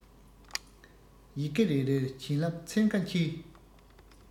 ཡི གེ རེ རེར བྱིན རླབས ཚན ཁ འཁྱིལ